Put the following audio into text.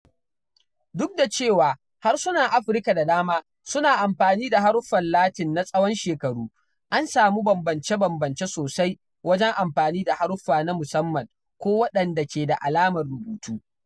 Duk da cewa harsunan Afrika da dama suna amfani da haruffan Latin na tsawon shekaru, an samu bambance-bambance sosai wajen amfani da haruffa na musamman ko waɗanda ke da alamar rubutu.